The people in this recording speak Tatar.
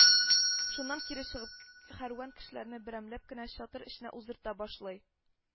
Шуннан кире чыгып, кәрван кешеләрен берәмләп кенә чатыр эченә узырта башлый